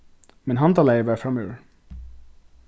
men handalagið var framúr